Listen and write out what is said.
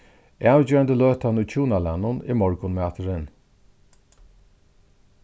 avgerandi løtan í hjúnalagnum er morgunmaturin